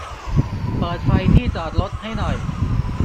เปิดไฟที่จอดรถให้หน่อย